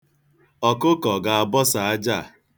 Ọkụkọ a ga-abọsa aja a.